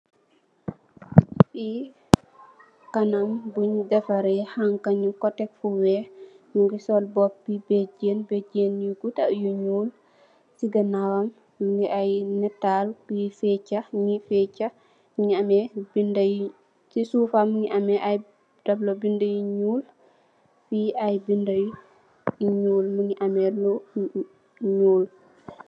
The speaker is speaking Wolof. Fee kanam bun defare hanka nugku tek fu weex muge sol bope bejeng bejeng yu gouda yu nuul se ganawam muge aye natal kuye fecha muge fecha muge ameh beda yu se suufam muge ameh ay tablo bede yu nuul fe aye beda yu nuul muge ameh lu nuul.